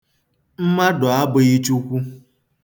Mmadụ abụghị Chukwu.